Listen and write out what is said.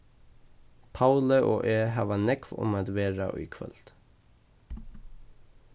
pauli og eg hava nógv um at vera í kvøld